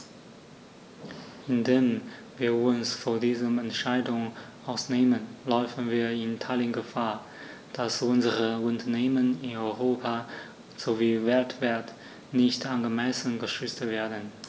Indem wir uns von dieser Entscheidung ausnehmen, laufen wir in Italien Gefahr, dass unsere Unternehmen in Europa sowie weltweit nicht angemessen geschützt werden.